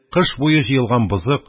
Кыш буе җыелган бозык,